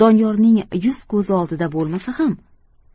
doniyorning yuz ko'zi oldida bo'lmasa ham